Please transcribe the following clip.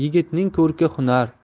yigitning ko'rki hunar